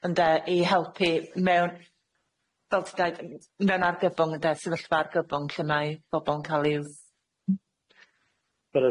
ynde i helpu mewn fel ti deud n- mewn argyfwng ynde sefyllfa argyfwng lle mae pobol yn ca'l i'w...